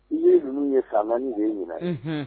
I ye ninnu ye faama ni y ɲin